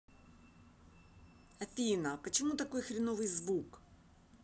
афина почему такой хреновый звук